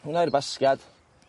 hwnna i'r basgiad